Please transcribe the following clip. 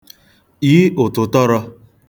yi ụ̀tụ̀tọrọ̄